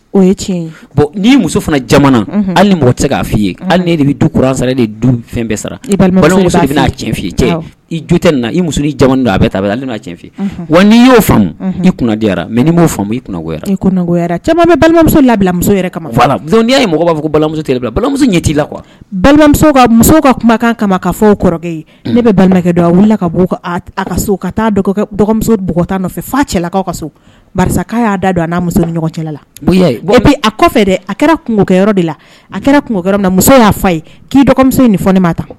O ye tiɲɛ n'i muso fana jamana hali tɛ k'a f fɔi ye hali ne de bɛ du de du fɛn bɛɛ sɔrɔ i balimamusoa cɛ i tɛ i muso ni don a bɛ ta'a cɛn wa n'i y'o i kun mɛ b'o i ikɔ balimamuso labilamuso la n ye mɔgɔ b'a fɔmuso balimamuso ɲɛ'i la kuwa balimamuso ka kumakan kama ka fɔ kɔrɔkɛ ye ne bɛ balimakɛ don a wili ka so ka taa dɔgɔmuso bɔgɔta nɔfɛ fa cɛlalakaw ka so karisa y'a da don a n'a muso ɲɔgɔn cɛla a dɛ a kɛra kungokɛ de la a kɛra muso y'a fa ye k'i dɔgɔmuso nin fɔ ne ma ta